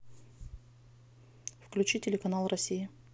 включи телеканал россии